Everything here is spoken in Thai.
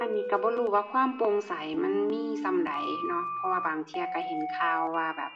อันนี้ก็บ่รู้ว่าความโปร่งใสมันมีส่ำใดเนาะ เพราะว่าบางเที่ยก็เห็นข่าวว่าแบบ